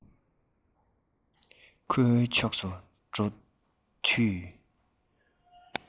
ཁོའི ཕྱོགས སུ འགྲོ དུས